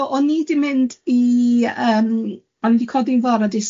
Do, o'n i di mynd i yym o'n i di codi'n fore dydd